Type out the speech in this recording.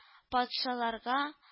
Патшаларга